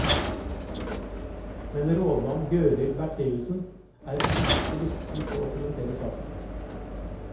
Men rådmann Gøril Bertheussen er lite lysten på å kommentere saken.